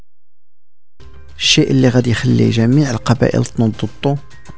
شيء يخلي جميع القبائل طنطو